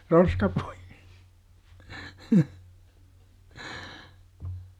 roskapuita